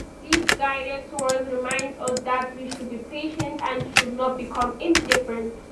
This guided tours remind us that we must be patient and should not become indifferent.